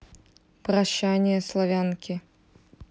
прощание славянки